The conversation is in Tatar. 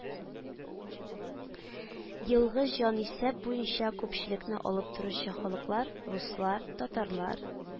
Елгы җанисәп буенча күпчелекне алып торучы халыклар: руслар , татарлар